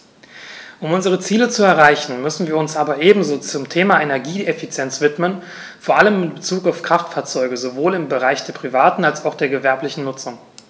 Um unsere Ziele zu erreichen, müssen wir uns aber ebenso dem Thema Energieeffizienz widmen, vor allem in Bezug auf Kraftfahrzeuge - sowohl im Bereich der privaten als auch der gewerblichen Nutzung.